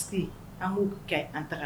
An bo kɛ an ta